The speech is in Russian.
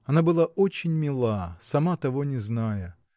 Она была очень мила, сама того не зная.